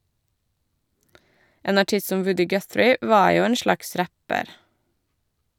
En artist som Woody Guthrie var jo en slags rapper.